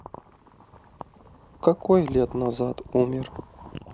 какой лет назад умер